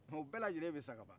mɛ u bɛɛ lajɛlen bɛ sa k'a ban